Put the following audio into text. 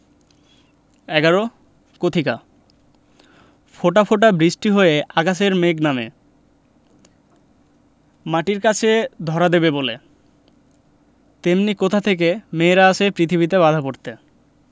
১১ কথিকা ফোঁটা ফোঁটা বৃষ্টি হয়ে আকাশের মেঘ নামে মাটির কাছে ধরা দেবে বলে তেমনি কোথা থেকে মেয়েরা আসে পৃথিবীতে বাঁধা পড়তে